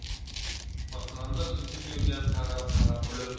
osmonda suzib yurgan pag'a pag'a bulut